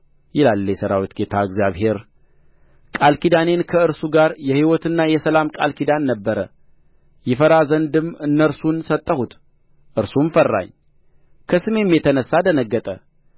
ይላል የሠራዊት ጌታ እግዚአብሔር ቃል ኪዳኔ ከእርሱ ጋር የሕይወትና የሰላም ቃል ኪዳን ነበረ ይፈራ ዘንድም እነርሱን ሰጠሁት እርሱም ፈራኝ ከስሜም የተነሣ ደነገጠ